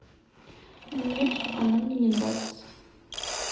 нет она мне не нравится